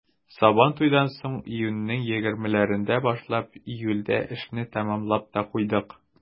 Сабантуйдан соң, июньнең 20-ләрендә башлап, июльдә эшне тәмамлап та куйдык.